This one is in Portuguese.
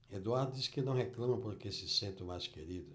eduardo diz que não reclama porque se sente o mais querido